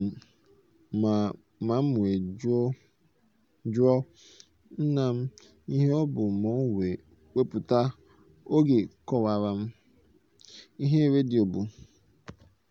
Egwu tụrụ m ma m wee jụọ nna m ihe ọ bụ ma o wee wepụta oge kọwaara m ihe redio bụ.